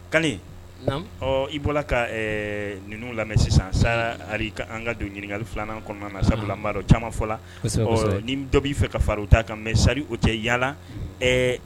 Ka i bɔra ka ninnu lamɛn sisan sara ali ka an ka don ɲininkakali filanan kɔnɔna na sabuladɔ caman fɔ la ni dɔ b'i fɛ ka fara ta kan mɛ sari o cɛ yaala